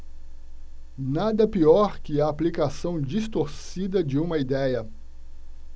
nada pior que a aplicação distorcida de uma idéia